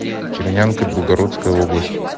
чернянка белгородская область